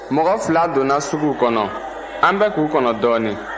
mɔgɔ fila donna sugu kɔnɔ an bɛ k'u kɔnɔ dɔɔnin